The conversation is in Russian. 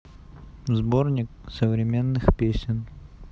сборник современных песен